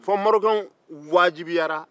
fo marɔkɛnw wajibiyara